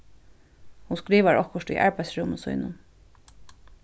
hon skrivar okkurt í arbeiðsrúmi sínum